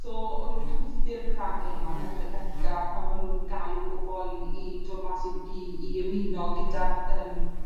So o'n nw'n chwythu'r cragen 'ma Merched Beca pan ma' nw'n galw bobol i i dod mas i w- i i ymuno gyda'r yym